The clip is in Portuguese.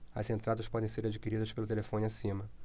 as entradas podem ser adquiridas pelo telefone acima